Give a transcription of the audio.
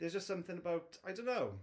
There's just something about... I don't know.